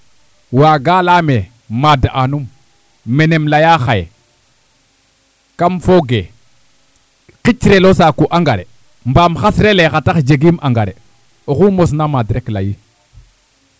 waaga layaam ee maad'aanum menem layaa xaye kam fooge qicrel o saaku engrais mbaam xasrel ee xar tax jegiim engrais oxu mosna maad rek layi